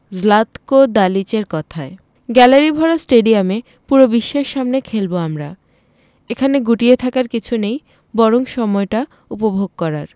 Zlatko দালিচের কথায় গ্যালারিভরা স্টেডিয়ামে পুরো বিশ্বের সামনে খেলব আমরা এখানে গুটিয়ে থাকার কিছু নেই বরং সময়টা উপভোগ করার